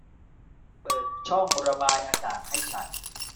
เปิดช่องระบายอากาศให้ฉัน